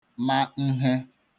ma nhe